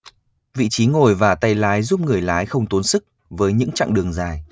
vị trí ngồi và tay lái giúp người lái không tốn sức với những chặng đường dài